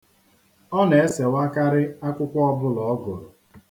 Ọ na-esewakarị akwụkwọ ọbụla ọ gụrụ.